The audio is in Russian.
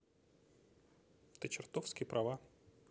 ты чертовски права